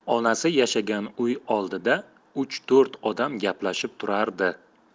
onasi yashagan uy oldida uch to'rt odam gaplashib turardi